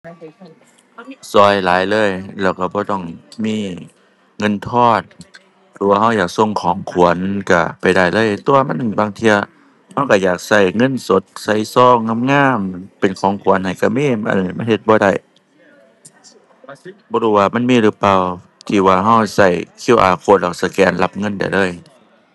ช่วยหลายเลย แล้วช่วยบ่ต้องมีเงินทอน หรือว่าช่วยอยากส่งของขวัญช่วยไปได้เลย แต่ว่ามันหั้นบางเทื่อ ช่วยช่วยอยากช่วยเงินสด ใส่ซองงามงาม เป็นของขวัญให้กับ อันนั้นมันเฮ็ดบ่ได้ บ่รู้ว่ามันมีหรือเปล่าที่ว่าช่วยช่วย QR code แล้วสแกนรับเงินได้เลย